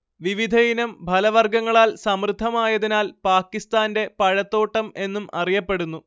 വിവിധയിനം ഫലവർഗങ്ങളാൽ സമൃദ്ധമായതിനാൽ പാകിസ്താന്റെ പഴത്തോട്ടം എന്നും അറിയപ്പെടുന്നു